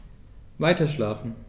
Weiterschlafen.